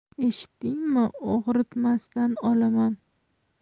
eshitdingmi og'ritmasdan olaman